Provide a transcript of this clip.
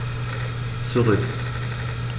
Zurück.